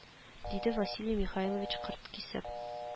Диде василий михайлович кырт кисеп